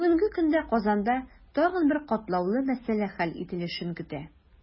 Бүгенге көндә Казанда тагын бер катлаулы мәсьәлә хәл ителешен көтә.